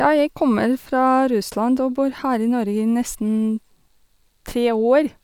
Ja, jeg kommer fra Russland og bor her i Norge i nesten tre år.